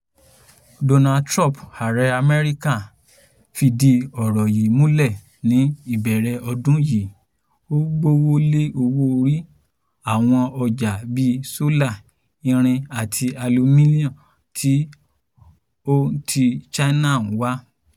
Donald Trump, Ààrẹ Amẹ́ríkà, fìdí ọ̀rọ̀ yí múlẹ̀ ní ìbẹ̀rẹ̀ ọdún yìí. Ó gbówó lé owó-orí àwọn ọjà bíi sólà, irin àti alumí t’ọ́n ti China wàá.